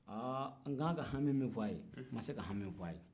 aa n ka kan ka hami min f'a ye n ma se ka hami in f'a ye